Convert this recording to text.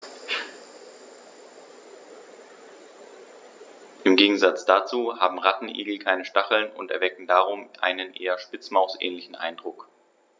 Im Gegensatz dazu haben Rattenigel keine Stacheln und erwecken darum einen eher Spitzmaus-ähnlichen Eindruck.